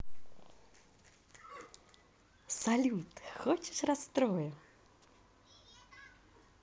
салют хочешь растрою